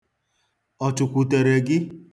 Ọ chụkwutere gị?